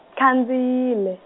khandziyile.